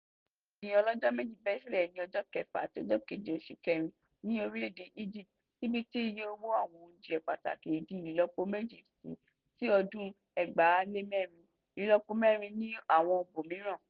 Rògbòdìyàn ọlọ́jọ́ méjì bẹ́ sílẹ̀ ní ọjọ́ 6 àti 7 oṣù Kẹrin ní orílẹ̀ èdè Egypt, níbi tí iye owó àwọn oúnjẹ pàtàkì di ìlọ́po méjì sí ti ọdún 2004,(ìlọ́po mẹrin ní àwọn ibòmíràn).